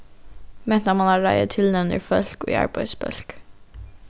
mentamálaráðið tilnevnir fólk í arbeiðsbólk